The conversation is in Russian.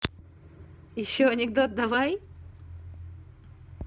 еще анекдот давай